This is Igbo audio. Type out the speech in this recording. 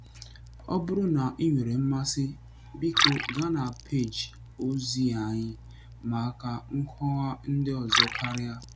Ọ bụrụ na ị nwere mmasị, bịko gaa na peeji ozi anyị maka nkọwa ndị ọzọ karịa.